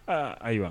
Aa ayiwa